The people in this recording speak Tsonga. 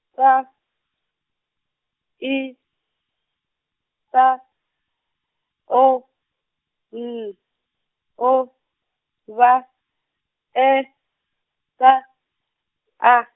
T, I, T, O, L, O, V, E, T, A.